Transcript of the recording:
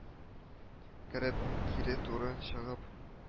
Кереп кире туры чыгып